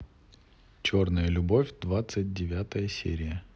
черная любовь двадцать девятая серия